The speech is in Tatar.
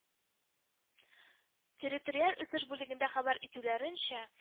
Территориаль үсеш бүлегендә хәбәр итүләренчә